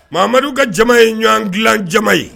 Madu ka jama ye ɲɔgɔn dilan jama ye